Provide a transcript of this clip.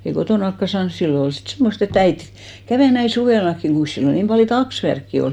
ja ei kotonakaan saanut silloin olla sitten semmoista että äiti kävi näin suvellakin kuinkas silloin niin paljon taksvärkkiä oli